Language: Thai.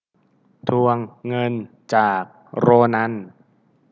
ทวงเงินจากโรนัน